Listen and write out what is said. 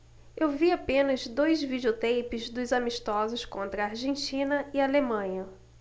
eu vi apenas dois videoteipes dos amistosos contra argentina e alemanha